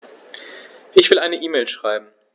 Ich will eine E-Mail schreiben.